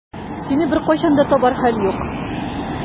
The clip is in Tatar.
Сине беркайчан да табар хәл юк.